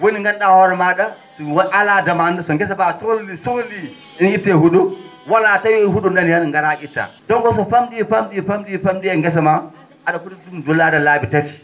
woni nganndu?aa hoore maa?a alaa demande so ngesa mba sohlii sohlii no itte hu?o walla tawi hu?o nani heen ngaraa ngittaa donc so fam?i fam?i fam?i fam?i e gesa maa a?a foti ?um duulaade laabi tati